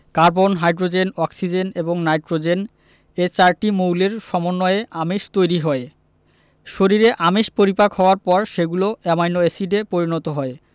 carbon hydrogen oxygen এবং nitrogen এ চারটি মৌলের সমন্বয়ে আমিষ তৈরি হয় শরীরে আমিষ পরিপাক হওয়ার পর সেগুলো অ্যামাইনো এসিডে পরিণত হয়